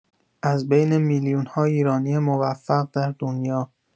از بین میلیون‌ها ایرانی موفق در دنیا